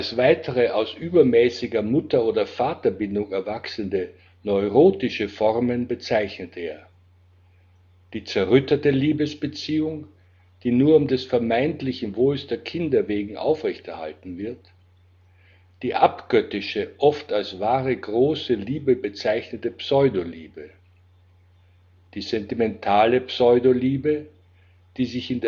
weitere, aus übermäßiger Mutter - oder Vaterbindung erwachsende, neurotische Formen bezeichnet er: die zerrüttete Liebesbeziehung, die nur um des vermeintlichen Wohls der Kinder wegen aufrechterhalten wird; die abgöttische, oft als wahre große Liebe bezeichnete Pseudoliebe; die sentimentale Pseudoliebe, die sich